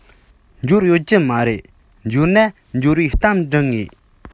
འབྱོར ཡོད ཀྱི མ རེད འབྱོར ན འབྱོར བའི གཏམ འབྲི ངེས